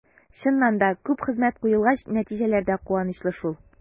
Чыннан да, күп хезмәт куелгач, нәтиҗәләр дә куанычлы шул.